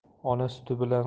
ona suti bilan